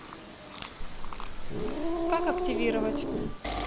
как активировать